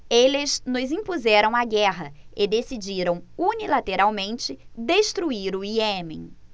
eles nos impuseram a guerra e decidiram unilateralmente destruir o iêmen